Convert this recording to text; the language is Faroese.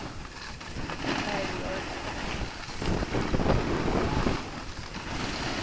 tað er í ordan